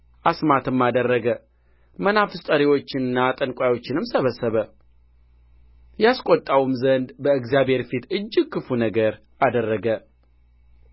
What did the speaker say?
አስማትም አደረገ መናፍስት ጠሪዎችንና ጠንቋዮችንም ሰበሰበ ያስቈጣውም ዘንድ በእግዚአብሔር ፊት እጅግ ክፉ ነገር አደረገ